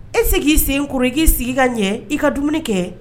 E sigi k'i sen k i'i sigi ka ɲɛ i ka dumuni kɛ